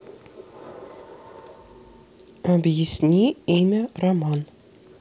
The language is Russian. объясни имя роман